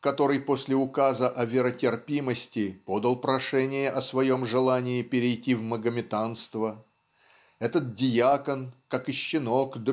который после указа о веротерпимости подал прошение о своем желании перейти в магометанство этот дьякон как и щенок